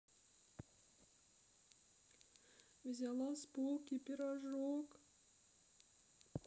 взяла с полки пирожок